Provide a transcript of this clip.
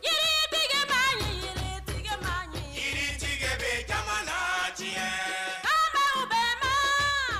Jtigiba yiritigiba nk yiri jigi bɛ ja diɲɛ faama bɛ fɛ